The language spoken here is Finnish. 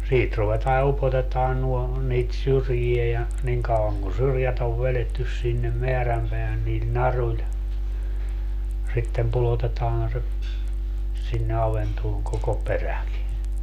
siitä ruvetaan ja upotetaan nuo niitä syrjiä ja niin kauan kuin syrjät on vedetty sinne määränpäähän niillä naruilla sitten pudotetaan se sinne avantoon koko peräkin